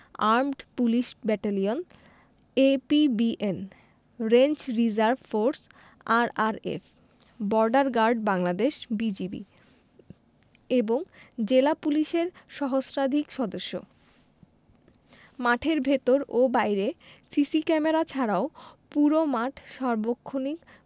armed police battalion APBN range reserve force RRF border guard Bangladesh BGB এবং জেলা পুলিশের সহস্রাধিক সদস্য মাঠের ভেতর ও বাইরে সিসি ক্যামেরা ছাড়াও পুরো মাঠ সার্বক্ষণিক